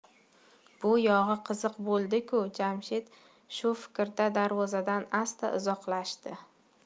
bu yog'i qiziq bo'ldi ku jamshid shu fikrda darvozadan asta uzoqlashdi